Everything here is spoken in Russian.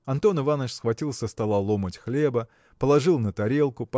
Антон Иваныч схватил со стола ломоть хлеба положил на тарелку